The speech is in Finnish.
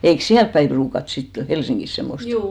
eikös siellä päin ruukata sitten Helsingissä semmoista